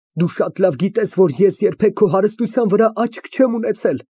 Դու շատ լավ գիտես, որ ես երբեք քո հարստության վրա աչք չեմ ունեցել։